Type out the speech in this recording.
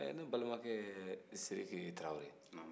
ɛ ne balimakɛ sidiki tarawele